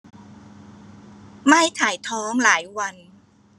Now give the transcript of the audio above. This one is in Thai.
ไม่ถ่ายท้องหลายวัน